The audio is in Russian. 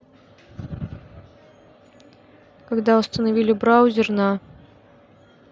когда установили браузер на